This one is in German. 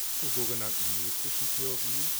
Zur sogenannten „ metrischen Theorie